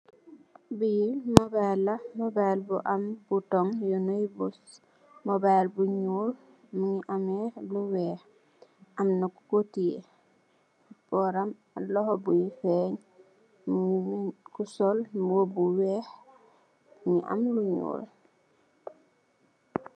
Bi mobile la, mobile bu am button yu ni bash. Mobile bu ñuul, mungi ameh lu weeh. Amna ku ko tè, boram loho bi fenn. mungi sol mbubu bu weeh mungi am lu ñuul.